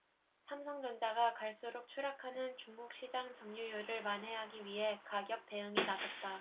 삼성전자가 갈수록 추락하는 중국 시장 점유율을 만회하기 위해 가격 대응에 나섰다